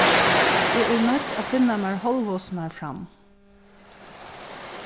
eg eri noydd at finna mær hálvhosurnar fram